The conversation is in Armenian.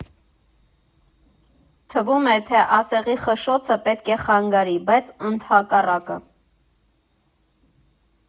Թվում է, թե ասեղի խշշոցը պետք է խանգարի, բայց ընդհակառակը։